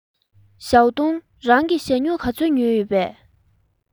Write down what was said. ཞའོ ཏུང རང གིས ཞྭ སྨྱུག ག ཚོད ཉོས ཡོད པས